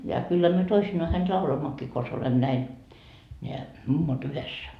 ja kyllä me toisinaan häntä lauloimmekin konsa olemme näin nämä mummot yhdessä